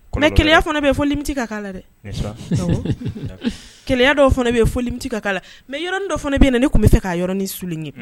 Kɛlɛ fana bɛ foliti ka la dɛ kɛlɛ dɔw fana bɛ fɔti la mɛɔrɔn dɔ fana bɛ na ne tun bɛ fɛ kaɔrɔnin sulon ye